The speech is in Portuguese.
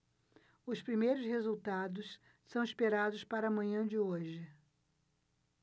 os primeiros resultados são esperados para a manhã de hoje